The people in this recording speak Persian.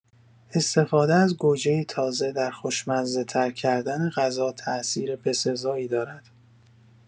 استفاده از گوجه تازه در خوشمزه‌تر کردن غذا تاثیر بسزایی دارد.